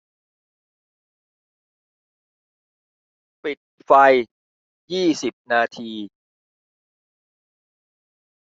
ปิดไฟยี่สิบนาที